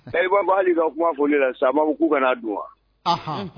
Ayiwa' ka kuma foli ne la sa k'u kana na dun wa